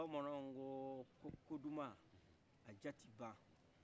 bamananw ko koduman a diya tɛ ban